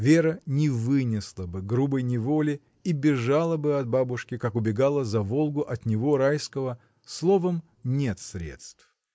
Вера не вынесла бы грубой неволи и бежала бы от бабушки, как убегала за Волгу от него, Райского, словом — нет средств!